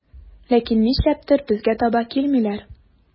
Ләкин нишләптер безгә таба килмиләр.